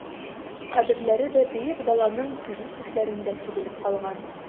Каберләре дә Бөек Даланың төрле төшләрендә сибелеп калган...